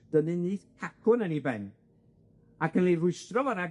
dynnu nyth cacwn yn ei ben ac yn ei rwystro fo rag